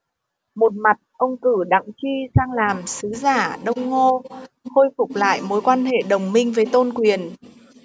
một mặt ông cử đặng chi sang làm sứ giả đông ngô khôi phục lại mối quan hệ đồng minh với tôn quyền